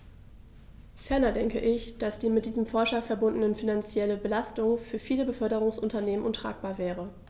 Ferner denke ich, dass die mit diesem Vorschlag verbundene finanzielle Belastung für viele Beförderungsunternehmen untragbar wäre.